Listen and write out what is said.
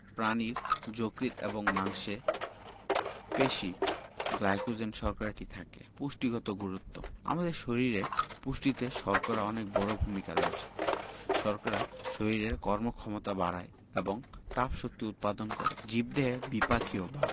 প্রাণীর যকৃৎ এবং মাংসে পেশি গ্লাইকোজেন শর্করাটি থাকে পুষ্টিগত গুরুত্ব আমাদের শরীরের পুষ্টিতে শর্করার অনেক বড় ভূমিকা রয়েছে শর্করা শরীরের কর্মক্ষমতা বাড়ায় এবং তাপশক্তি উৎপাদন করে জীবদেহে বিপাকীয় বা